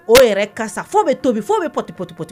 O yɛrɛ kasa f'o bɛ tobi f'o bɛ pɔti pɔti pɔti